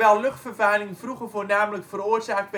luchtvervuiling vroeger voornamelijk veroorzaakt